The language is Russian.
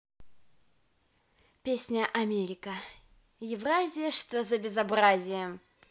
песня америка евразия что за безобразие